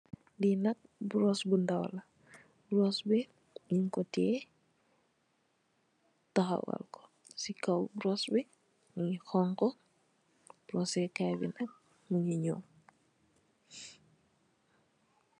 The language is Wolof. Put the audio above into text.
Li nak bross bu ndaw la, bross bi ñing ko teyeh taxawal ko si kaw bross bi mugii xonxu xooseh Kay bi nak mugii ñuul.